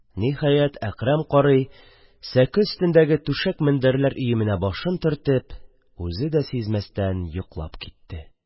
Ниһәят, Әкрәм карый сәке өстендәге түшәк-мендәрләр өеменә башын төртеп, үзе дә сизмәстән йоклап китте.